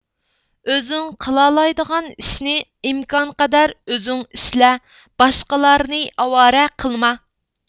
ئۆزۈڭ قىلالايدىغان ئىشنى ئىمكانقەدەر ئۆزۈڭ ئىشلە باشقىلارنى ئاۋارە قىلما